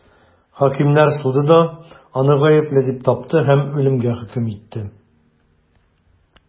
Хакимнәр суды да аны гаепле дип тапты һәм үлемгә хөкем итте.